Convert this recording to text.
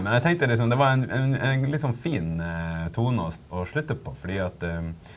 men jeg tenkte liksom det var en en en liksom fin tone å å slutte på fordi at .